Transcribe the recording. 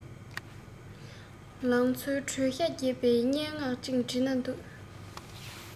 ལང ཚོའི དྲོད ཤ རྒྱས པའི སྙན ངག ཅིག འབྲི ན འདོད